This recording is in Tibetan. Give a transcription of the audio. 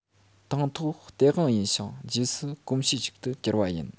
དང ཐོག སྟེས དབང ཡིན ཞིང རྗེས སུ གོམ གཤིས ཤིག ཏུ གྱུར པ ཡིན